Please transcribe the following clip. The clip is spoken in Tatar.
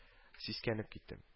Сискәнеп киттем